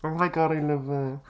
Oh my god! I love it..